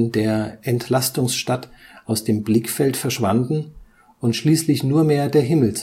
der „ Entlastungsstadt “aus dem Blickfeld verschwanden und schließlich nur mehr der Himmel